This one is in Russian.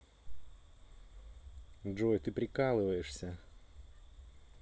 джой ты прикалываешься